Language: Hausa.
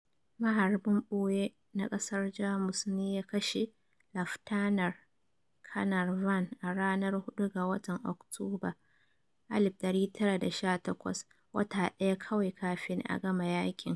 Maharbin ɓoye na ƙasar Jamus ne ya kashe Laftanar Kanar Vann a ranar 4 ga watan Oktobar 1918 - wata daya kawai kafin a gama yaƙin.